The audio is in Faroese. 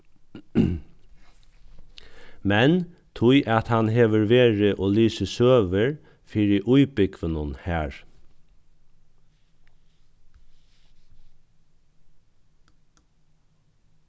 men tí at hann hevur verið og lisið søgur fyri íbúgvunum har